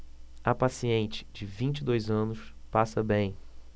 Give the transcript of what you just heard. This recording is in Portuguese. a paciente de vinte e dois anos passa bem